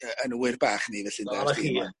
yy 'yn wyr bach ni felly .